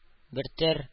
Бертөр